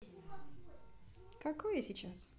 какой я сейчас